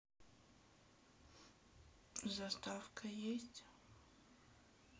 заставка есть